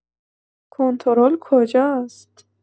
کنترل کجاست؟